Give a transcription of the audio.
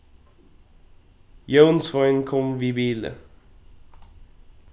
jónsvein kom við bili